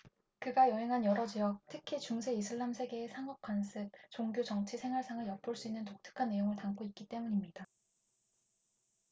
그가 여행한 여러 지역 특히 중세 이슬람 세계의 상업 관습 종교 정치 생활상을 엿볼 수 있는 독특한 내용을 담고 있기 때문입니다